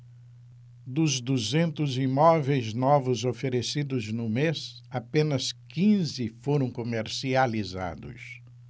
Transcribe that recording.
dos duzentos imóveis novos oferecidos no mês apenas quinze foram comercializados